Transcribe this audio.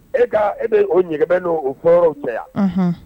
E ka e bɛ o ɲɛ bɛ n' o hɔrɔnw cɛ yan